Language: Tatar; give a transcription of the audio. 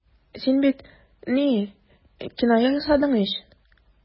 Син бит... ни... киная ясадың ич.